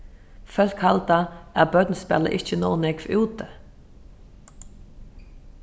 fólk halda at børn spæla ikki nóg nógv úti